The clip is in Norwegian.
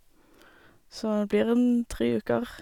Så det blir en tre uker.